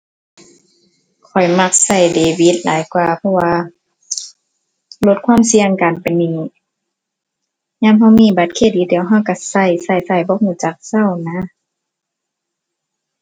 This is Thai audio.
ข้อยมักใช้เดบิตหลายกว่า เพราะว่าลดความเสี่ยงการเป็นหนี้ ยามใช้มีบัตรเครดิตเดี๋ยวใช้ใช้ใช้ใช้ใช้ บ่ใช้จักเซานะ